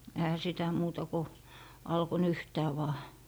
eihän sitä muuta kuin alkoi nyhtää vain